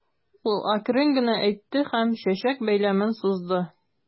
Ул әкрен генә әйтте һәм чәчәк бәйләмен сузды.